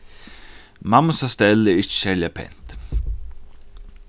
mammusa stell er ikki serliga pent